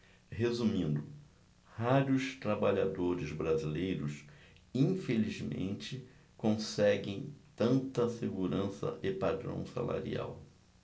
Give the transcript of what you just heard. resumindo raros trabalhadores brasileiros infelizmente conseguem tanta segurança e padrão salarial